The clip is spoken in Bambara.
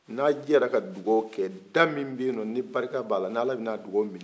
n' a jɛra ka dugawu kɛ da min bɛ yennɔ ni barika b'a la ni ala bɛ n'a dugawu minɛ